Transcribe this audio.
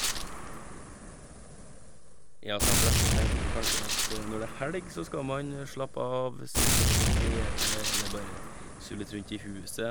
Ja, så dem fleste tenker jo kanskje at når det er helg så skal man slappe av, sitte og se på TV eller bare sulle litt rundt i huset.